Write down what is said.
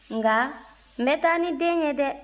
nka n bɛ taa ni den ye dɛ